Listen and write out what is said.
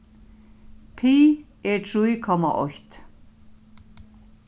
pi er trý komma eitt